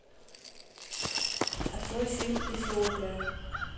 открой фильтр эфиопия